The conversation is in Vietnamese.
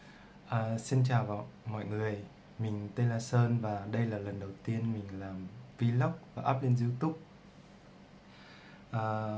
xin chào mọi người mình tên là sơn đây là lần đầu tiên mình làm vlog và up lên youtube